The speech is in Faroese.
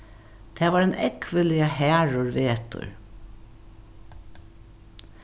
tað var ein ógvuliga harður vetur